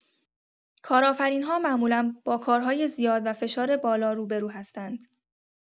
کارآفرین‌ها معمولا با کارهای زیاد و فشار بالا روبه‌رو هستند.